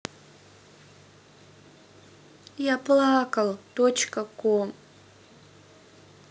я плакал точка ком